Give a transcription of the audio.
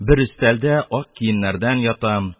Бер өстәлдә ак киемнәрдә ятам,